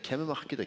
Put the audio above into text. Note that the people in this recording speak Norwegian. kven er marknaden?